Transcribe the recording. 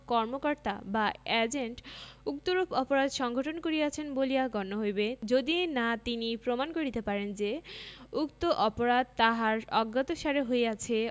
কর্মকর্তা বা এজেন্ট উক্তরূপ অপরাধ সংঘটন করিয়াছেন বলিয়া গণ্য হইবে যদি না তিনি প্রমাণ করিতে পারেন যে উক্ত অপরাধ তাহার অজ্ঞাতসারে হইয়াছে